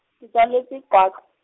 ke tswaletswe Qwaqwa.